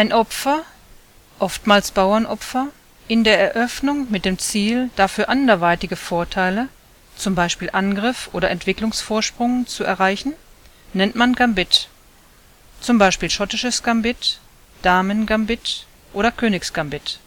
Opfer (oftmals Bauernopfer) in der Eröffnung mit dem Ziel, dafür anderweitige Vorteile (z. B. Angriff oder Entwicklungsvorsprung) zu erreichen, nennt man Gambit (z. B. Schottisches Gambit, Damengambit, Königsgambit